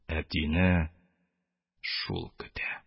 Әтине шул көтә.